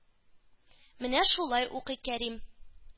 Менә шулай укый Кәрим,